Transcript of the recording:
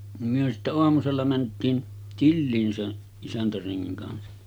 niin me sitten aamusella mentiin tiliin sen isäntärengin kanssa